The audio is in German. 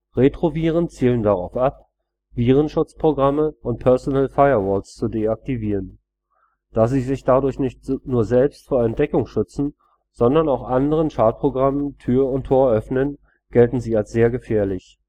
Retroviren zielen darauf ab, Virenschutzprogramme und Personal Firewalls zu deaktivieren. Da sie sich dadurch nicht nur selbst vor Entdeckung schützen, sondern auch anderen Schadprogrammen Tür und Tor öffnen, gelten sie als sehr gefährlich